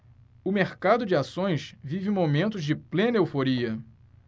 o mercado de ações vive momentos de plena euforia